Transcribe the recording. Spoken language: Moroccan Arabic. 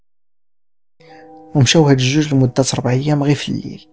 مشاهد الجيش لمده اربع ايام